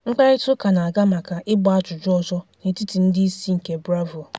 Mkparịta ụka na-aga maka ịgba ajụjụ ọzọ n'etiti ndị isi nke BRAVO!